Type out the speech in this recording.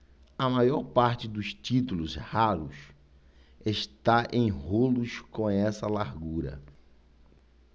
a maior parte dos títulos raros está em rolos com essa largura